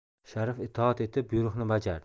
sharif itoat etib buyruqni bajardi